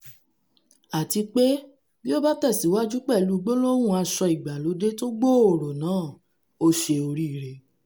Àtipé bí ó bá tẹ̀síwájú pẹ̀lú gbólóhùn asọ ìgbàlódé tó gbòòrò náà- ó ṣe oríire.